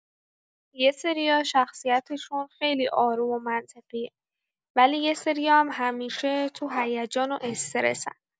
یه سریا شخصیتشون خیلی آروم و منطقیه ولی یه سریا هم همیشه تو هیجان و استرسن.